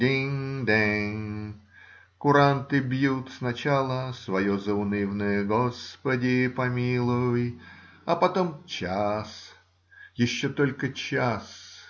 Динг-данг!" Куранты бьют сначала свое заунывное "Господи помилуй", а потом час. Еще только час!